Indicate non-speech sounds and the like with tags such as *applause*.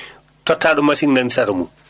*inhales* tottaaɗo machine : fra nani sara mum